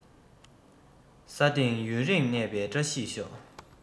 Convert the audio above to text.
ས སྟེང ཡུན རིང གནས པའི བཀྲ ཤིས ཤོག